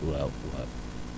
waaw waaw